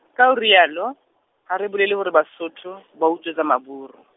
ka o re yalo, ha re bolele hore Basotho ba utswetsa Maburu.